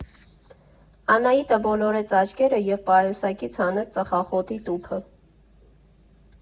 Անահիտը ոլորեց աչքերը և պայուսակից հանեց ծխախոտի տուփը։